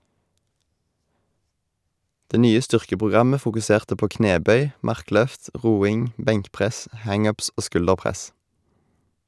Det nye styrkeprogrammet fokuserte på knebøy, markløft, roing, benkpress, hang ups og skulderpress.